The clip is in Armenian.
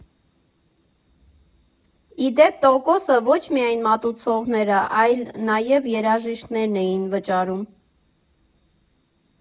Ի դեպ, տոկոսը ոչ միայն մատուցողները, այլ նաև երաժիշտներն էին վճարում։